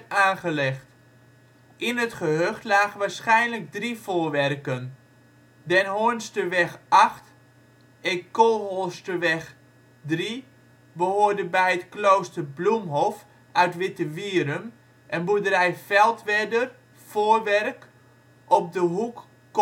aangelegd. In het gehucht lagen waarschijnlijk drie voorwerken: Den Hoornsterweg 8 en Kolholsterweg 3 behoorden bij het klooster Bloemhof uit Wittewierum en boerderij Feldwerder Voorwerk op de hoek Kolkweg-Kolhamsterweg